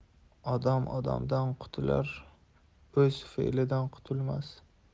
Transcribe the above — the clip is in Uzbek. odam odamdan qutular o'z fe'lidan qutulmas